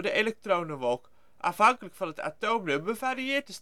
elektronenwolk. Afhankelijk van het atoomnummer varieert